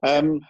yym